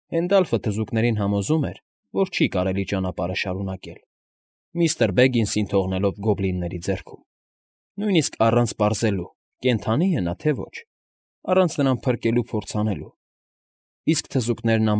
Հենդալֆը թզուկներին համոզում էր, որ չի կարելի ճանապարհը շարունակել, միստր Բեգինսին թողնելով գոբլինների ձեռքում, նույնիսկ առանց պարզելու՝ կենդանի է նա, թե ոչ, առանց նրան փրկելու փորձ անելու, իսկ թզուկներն։